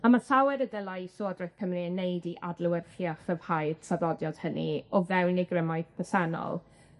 A ma' llawer y dylai Llywodraeth Cymru neud i adlewyrchu a chryfhau'r traddodiad hynny o fewn ei grymoedd presennol.